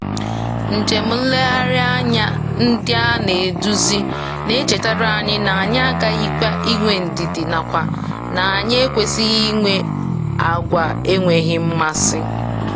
Njem nlegharị anya ndị a a na-eduzi na-echetara anyị na anyị aghaghị inwe ndidi nakwa na anyị ekwesịghị inwe àgwà enweghị mmasị.